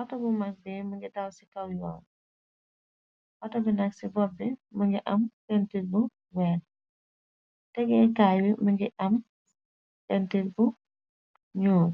Otu bu mag bi më ngi daw ci kaw yoon otu bi nag ci bopbi më ngi am pinterrbu weex tegekaay bi më ngi am pinterr bu ñuul